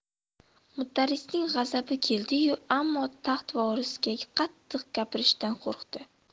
mudarrisning g'azabi keldi yu ammo taxt vorisiga qattiq gapirishdan qo'rqdi